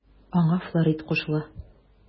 Аңа Флорид кушыла.